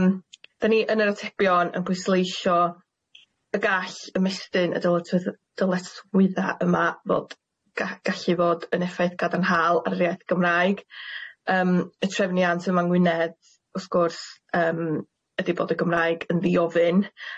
Yym 'da ni yn yr atebion yn pwysleisho y gall ymestyn y dyletswydd- dyletswydda yma fod ga- gallu fod yn effaith gadarnhaol ar yr iaith Gymraeg yym y trefniant yma Ngwynedd wrth gwrs yym ydi bod y Gymraeg yn ddi-ofyn